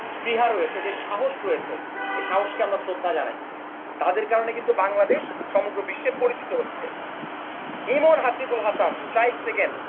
স্পৃহা রয়েছে যে সাহস রয়েছে এই সাহস কে আমরা শ্রদ্ধা জানাই তাদের কারণে কিন্তু বাংলাদেশ সমগ্র বিশ্বে পরিচিত হচ্ছে ইমন হাসিবুল হাসান স্ট্রাইকস এগেন